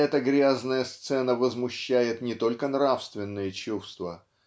эта грязная сцена возмущает не только нравственное чувство